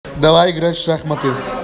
давай играть в шахматы